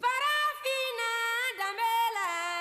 Farafinna danbe la